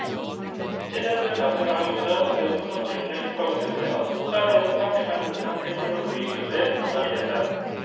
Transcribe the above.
제대로 된 답변을 하기보다 오히려 특검 질문에 촉각을 세우며 수사 내용을 탐색하는 듯한 태도를 보이기도 해 논란이 됐다